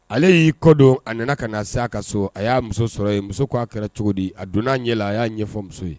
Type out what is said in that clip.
Ale y'i kɔdon a nana ka na seya ka so a y'a muso sɔrɔ yen muso k'a kɛra cogo di a donna n'a ɲɛ la a y'a ɲɛfɔmuso ye